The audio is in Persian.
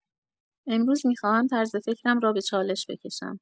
امروز می‌خواهم طرز فکرم را به چالش بکشم.